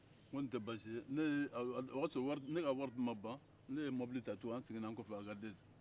ko nin tɛ baasi ye o y'a sɔrɔ ne ka wari tun ma ban ne mobili ta tugun an seginna akadɛzi